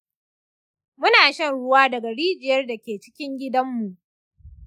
muna shan ruwa daga rijiyar da ke cikin gidanmu.